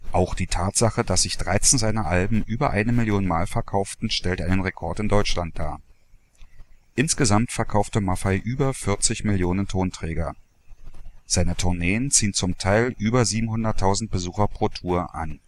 Auch die Tatsache, dass sich 13 seiner Alben über eine Million Mal verkauften, stellt einen Rekord in Deutschland dar. Insgesamt verkaufte Maffay über 40 Millionen Tonträger. Seine Tourneen ziehen zum Teil über 700.000 Besucher pro Tour an